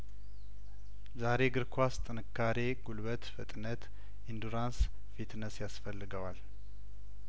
ዛሬ እግር ኳስ ጥንካሬ ጉልበት ፍጥነት ኢንዱራንስ ፊትነስ ያስፈልገዋል